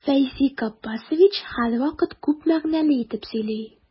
Фәйзи Габбасович һәрвакыт күп мәгънәле итеп сөйли.